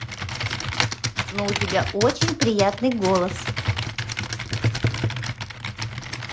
ну у тебя очень приятный голос